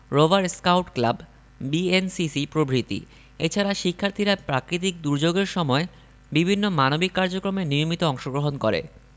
rover scout club BNCC প্রভৃতি এছাড়া শিক্ষার্থীরা প্রাকৃতিক দূর্যোগের সময় বিভিন্ন মানবিক কার্যক্রমে নিয়মিত অংশগ্রহণ করে